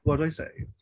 What do I say?